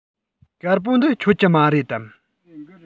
དཀར པོ འདི ཁྱོད ཀྱི མ རེད དམ